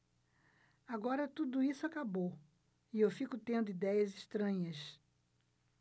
agora tudo isso acabou e eu fico tendo idéias estranhas